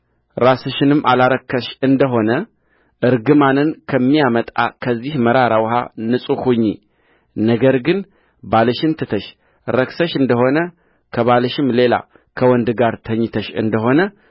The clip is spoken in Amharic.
ራስሽንም አላረከስሽ እንደ ሆነ እርግማንን ከሚያመጣ ከዚህ መራራ ውኃ ንጹሕ ሁኚነገር ግን ባልሽን ትተሽ ረክሰሽ እንደ ሆነ ከባልሽም ሌላ ከወንድ ጋር ተኝተሽ እንደሆነ